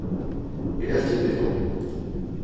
eg elski tykkum